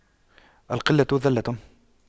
القلة ذلة